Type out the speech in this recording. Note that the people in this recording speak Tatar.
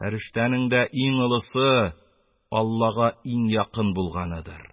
Фәрештәнең дә иң олысы, аллага иң якын булганыдыр...